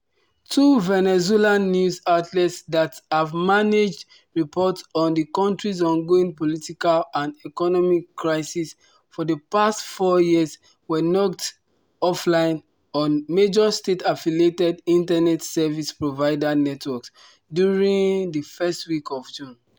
Two Venezuelan news outlets that have managed report on the country’s ongoing political and economic crises for the past four years were knocked offline on major state-affiliated internet service provider networks during the first week of June.